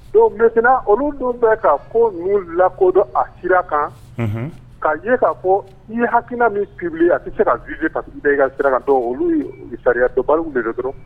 Donc maintenant olu dun bɛ ka ko ninnu lakodɔn a sira kan; Unhun; K'a ye ka fɔ i ye hakiina min publié a tɛ se ka visé parce que e b'i ka sira kan donc olu ye sariya dɔnbaliw de don dɔrɔn.